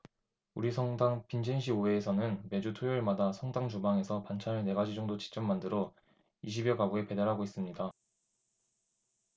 우리 성당 빈첸시오회에서는 매주 토요일마다 성당 주방에서 반찬을 네 가지 정도 직접 만들어 이십 여 가구에 배달하고 있습니다